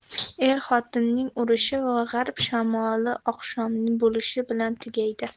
er xotinning urushi va g'arb shamoli oqshom bo'lishi bilan tinchiydi